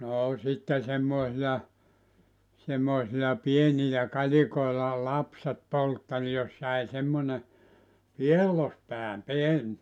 no sitten semmoisia semmoisilla pienillä kalikoilla lapset poltteli jos jäi semmoinen piellospää pieni